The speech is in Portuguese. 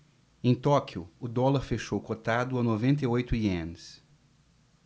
em tóquio o dólar fechou cotado a noventa e oito ienes